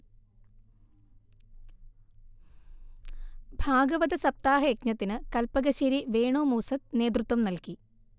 ഭാഗവതസപ്താഹ യജ്ഞത്തിന് കല്പകശ്ശേരി വേണു മൂസ്സത് നേതൃത്വം നൽകി